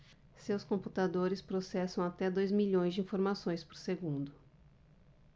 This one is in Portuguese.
seus computadores processam até dois milhões de informações por segundo